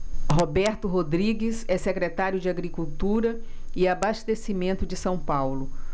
roberto rodrigues é secretário da agricultura e abastecimento de são paulo